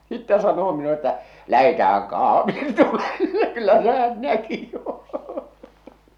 sitten sanoo minulle että lähdetäänhän - kahvitulelle kyllä se hän näki jo